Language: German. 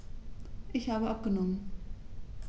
Ich habe abgenommen.